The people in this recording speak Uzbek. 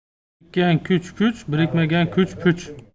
birikkan kuch kuch birikmagan kuch puch